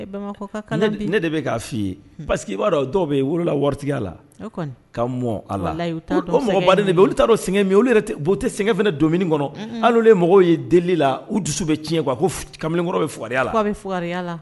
Ne de bɛ k'a fi paseke b'a dɔw bɛ wolola waritigiya la mɔ taa sɛgɛn min tɛ sɛgɛn don kɔnɔ ye mɔgɔw ye deli la u dusu bɛ tiɲɛ kuwa kamalenkɔrɔ bɛ la